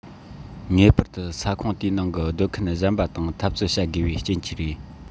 ངེས པར དུ ས ཁོངས དེའི ནང གི སྡོད མཁན གཞན པ དང འཐབ རྩོད བྱ དགོས པའི རྐྱེན གྱིས རེད